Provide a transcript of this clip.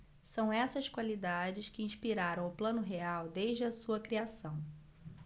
são essas qualidades que inspiraram o plano real desde a sua criação